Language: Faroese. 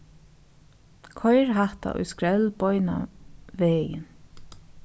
koyr hatta í skrell beinanvegin